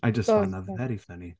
I just find that very funny.